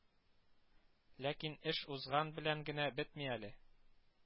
Ләкин эш узган белән генә бетми әле